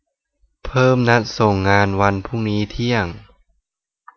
เพิ่มนัดส่งงานวันพรุ่งนี้เที่ยง